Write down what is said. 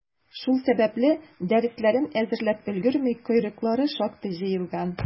Шул сәбәпле, дәресләрен әзерләп өлгерми, «койрыклары» шактый җыелган.